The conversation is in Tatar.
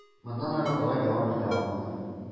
Моннан ары болай дәвам итә алмады.